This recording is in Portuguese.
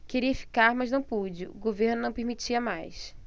queria ficar mas não pude o governo não permitia mais